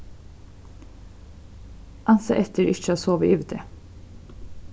ansa eftir ikki at sova yvir teg